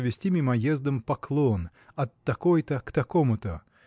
завезти мимоездом поклон от такой-то к такому-то